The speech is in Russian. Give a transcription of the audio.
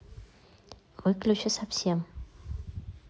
выключи совсем